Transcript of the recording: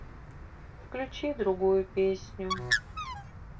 включи другую песню